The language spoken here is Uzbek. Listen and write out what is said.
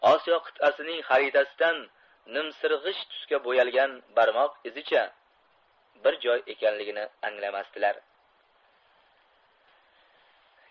osiyo qit'asining xaritasidan nimsirg'ish tusga bo'yalgan barmoq izicha bir joy ekanligini anglamasdilar